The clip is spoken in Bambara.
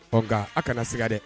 Ɔ nka a' kana siga dɛ